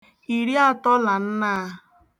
Ìri àtọ là nnaà